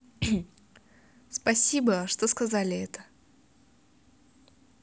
спасибо что сказали это